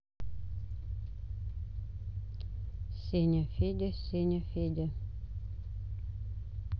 сеня федя сеня федя